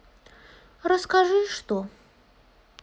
расскажи что